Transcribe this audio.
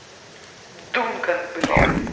duncan блин